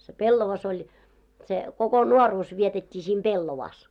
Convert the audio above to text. se pellava oli se koko nuoruus vietettiin sitten pellavassa